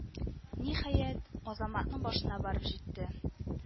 Ниһаять, Азаматның башына барып җитте: